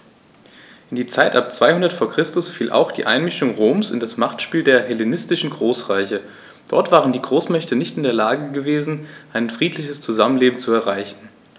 In die Zeit ab 200 v. Chr. fiel auch die Einmischung Roms in das Machtspiel der hellenistischen Großreiche: Dort waren die Großmächte nicht in der Lage gewesen, ein friedliches Zusammenleben zu erreichen.